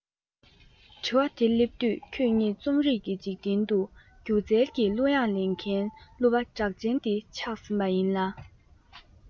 དྲི བ འདི སླེབས དུས ཁྱོད ཉིད རྩོམ རིག གི འཇིག རྟེན དུ སྒྱུ རྩལ གྱི གླུ དབྱངས ལེན མཁན གླུ པ གྲགས ཅན དེ ཆགས ཟིན པ ཡིན ལ